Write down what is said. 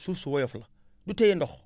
suuf su woyof la du téye ndox